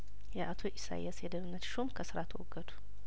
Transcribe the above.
የአቶ ኢሳያስ የደህንነት ሹም ከስራ ተወገዱ